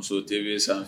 Muso tɛ bɛ san